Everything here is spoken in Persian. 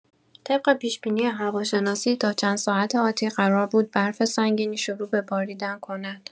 طبق پیش‌بینی هواشناسی تا چند ساعت آتی قرار بود برف سنگینی شروع به باریدن کند.